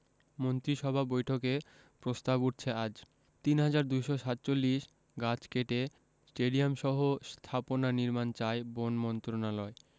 মন্ত্রিসভা বৈঠকে প্রস্তাব উঠছে আজ ৩২৪৭ গাছ কেটে স্টেডিয়ামসহ স্থাপনা নির্মাণ চায় বন মন্ত্রণালয়